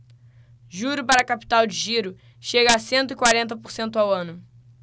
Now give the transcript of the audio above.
juro para capital de giro chega a cento e quarenta por cento ao ano